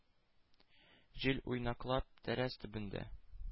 Җил, уйнаклап, тәрәз төбендә